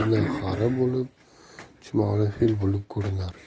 bo'lib chumoli fil bo'lib ko'rinar